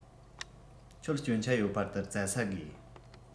ཁྱོད སྐྱོན ཆ ཡོད པ དེར བཙལ ས དགོས